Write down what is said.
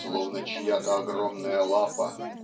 "Словно чья-то огромная лапа